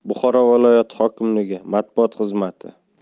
buxoro viloyati hokimligi matbuot xizmati